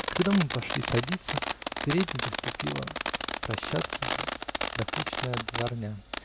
Когда мы пошли садиться, в передней приступила прощаться докучная дворня.